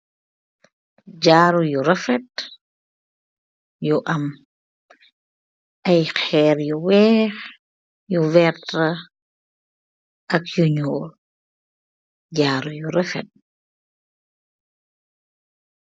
Jarou yuu rafet tai am ayyi pirr yuu bari kuloor.